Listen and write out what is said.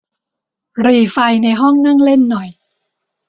หรี่ไฟในห้องนั่งเล่นหน่อย